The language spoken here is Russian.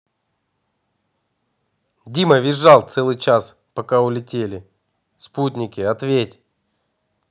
дима визжал целый час пока улетели спутники ответь